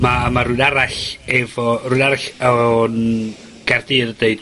...ma' a ma' rywun arall efo, rywun arall o yn Gaerdydd yn deud...